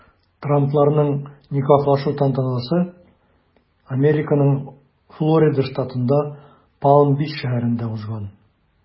Трампларның никахлашу тантанасы Американың Флорида штатында Палм-Бич шәһәрендә узган.